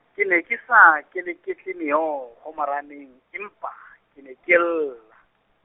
ke ne ke sa, keleketle meokgo, marameng, empa, ke ne ke lla.